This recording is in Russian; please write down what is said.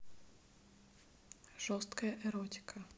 жесткая эротика